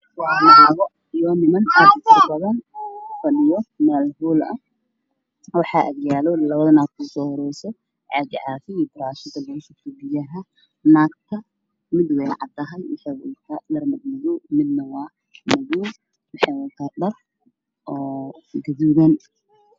Waxaa ii muuqda dad siminaar ku jira waxa ayna kala yihiin niman iyo naado waxaa usoo horeeyo naag qabta dharguduudan waxaa ku xogta naag cad oo qabta dhar madow iyo nin wato dhar cad